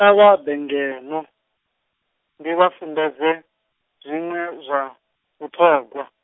kha vha ḓe ngeno, ndi vha sumbedze, zwiṅwe zwa, vhuṱhogwa.